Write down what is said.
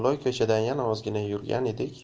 loy ko'chadan yana ozgina yurgan edik